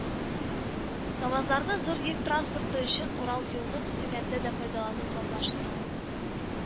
“камазларны зур йөк транспорты өчен урау юлны төзегәндә дә файдалану планлаштыра